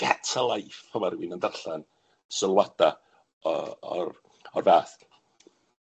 get a life, fel ma' rywun yn darllen sylwada o o'r o'r fath.